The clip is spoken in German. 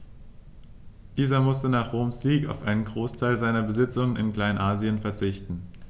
Dieser musste nach Roms Sieg auf einen Großteil seiner Besitzungen in Kleinasien verzichten.